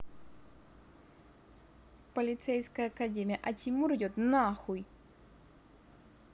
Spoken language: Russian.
полицейская академия а тимур идет нахуй